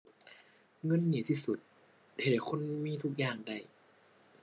เงินนี่ที่สุด เฮ็ดให้คนมีทุกอย่างได้